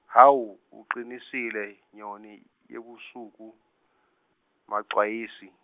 hhawu uqinisile nyoni yobusuku, Mexwayisi.